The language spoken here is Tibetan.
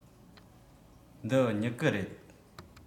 འདི སྨྱུ གུ རེད